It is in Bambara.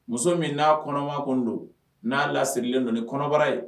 Muso min n'a kɔnɔma kun don n'a lasirilen don ni kɔnɔbara ye